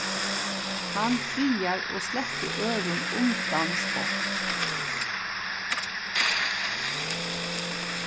hann friðar og sleppur øðrum undan spott